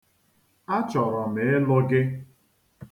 Achọrọ m ịlụ gị.